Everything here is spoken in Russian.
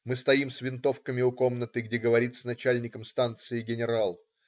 Мы стоим с винтовками у комнаты, где говорит с начальником станции генерал.